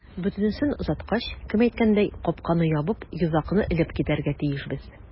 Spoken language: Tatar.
Бөтенесен озаткач, кем әйткәндәй, капканы ябып, йозакны элеп китәргә тиешбез.